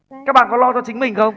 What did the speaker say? các bạn có lo cho chính mình không